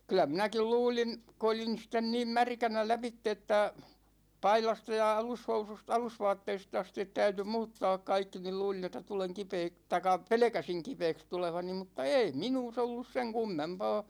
kyllä minäkin luulin kun olin nyt sitten niin märkänä lävitse että paidasta ja alushousuista alusvaatteista asti täytyi muuttaa kaikki niin luulin että tulen - tai pelkäsin kipeäksi tulevani mutta ei minussa ollut sen kummempaa